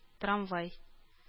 Трамвай